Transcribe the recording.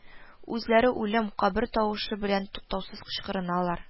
Үзләре үлем, кабер тавышы белән туктаусыз кычкырыналар: